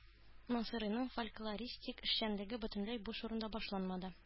Насыйриның фольклористик эшчәнлеге бөтенләй буш урында башланмады